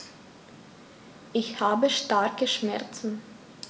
Ich habe starke Schmerzen.